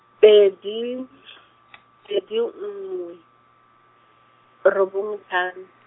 pedi , pedi nngwe, robongwe tlhano.